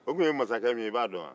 o tun ye masakɛ mun ye i b'a dɔn wa